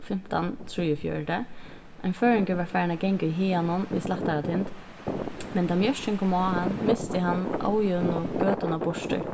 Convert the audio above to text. fimtan trýogfjøruti ein føroyingur var farin at ganga í haganum við slættaratind men tá mjørkin kom á hann misti hann ójøvnu gøtuna burtur